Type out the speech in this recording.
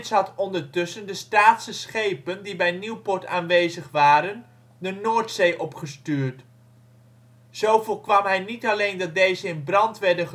had ondertussen de Staatse schepen die bij Nieuwpoort aanwezig waren de Noordzee opgestuurd. Zo voorkwam hij niet alleen dat deze in brand werden